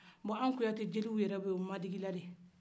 an kuyate jeliw yɛrɛ bɛ madikila de